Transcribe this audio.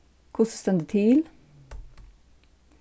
hvussu stendur til